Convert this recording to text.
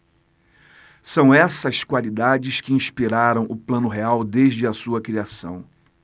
são essas qualidades que inspiraram o plano real desde a sua criação